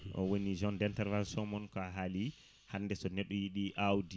o woni zone d' intervention o mon ko a haali hande so neɗɗo yiiɗi awdi